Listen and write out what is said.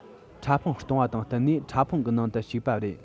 ཕྲ ཕུང བཏུང བ དང བསྟུན ནས ཕྲ ཕུང གི ནང དུ ཞུགས པ རེད